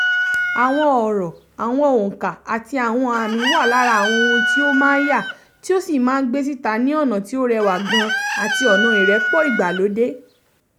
Àwọn ọ̀rọ̀, àwọn onka, àti àwọn ààmì wà lára àwọn ohun tí o máa yà tí o sì máa gbé síta ní ọ̀nà tí ó rẹwà gan-an àti ọ̀nà ìrẹ́pọ̀ ìgbàlódé.